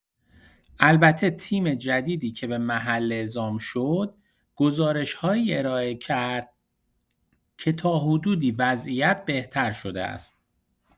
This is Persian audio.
البته تیم جدیدی که به محل اعزام شد، گزارش‌هایی ارائه کرد که تا حدودی وضعیت بهتر شده است.